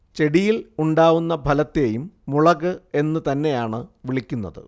ചെടിയിൽ ഉണ്ടാവുന്ന ഫലത്തേയും മുളക് എന്ന് തന്നെയാണ് വിളിക്കുന്നത്